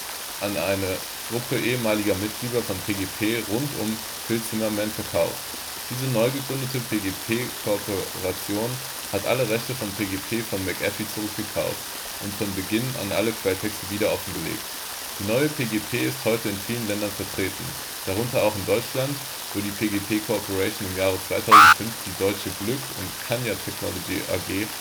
an eine Gruppe ehemaliger Mitarbeiter von PGP rund um Phil Zimmermann verkauft. Diese neu gegründete PGP Corporation hat alle Rechte an PGP von McAfee zurückgekauft und von Beginn an alle Quelltexte wieder offengelegt. Die neue PGP ist heute in vielen Ländern vertreten, darunter auch in Deutschland, wo die PGP Corporation im Jahre 2005 die deutsche Glück & Kanja Technology AG